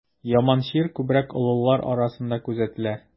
Яман чир күбрәк олылар арасында күзәтелә.